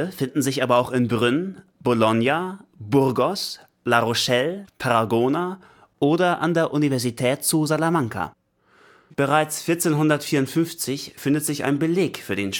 finden sich aber auch in Brünn, Bologna, Burgos, La Rochelle, Tarragona, oder an der Universität zu Salamanca. Bereits 1454 findet sich ein Beleg für den